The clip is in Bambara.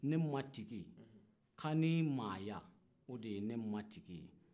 ne ma tigi k'a ni maaya o de ye ne matigi ye